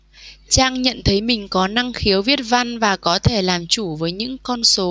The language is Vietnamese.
trang nhận thấy mình có năng khiếu viết văn và có thể làm chủ với những con số